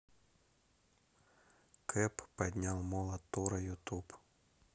кэп поднял молот тора ютуб